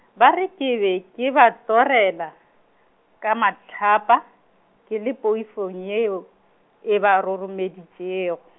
ba re ke be ke ba torela-, ka mahlapa, ke le poifong yeo, e ba roromedištego-.